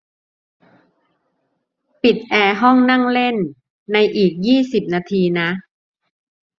ปิดแอร์ห้องนั่งเล่นในอีกยี่สิบนาทีนะ